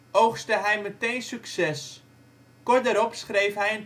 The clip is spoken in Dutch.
oogstte hij meteen succes. Kort daarop schreef hij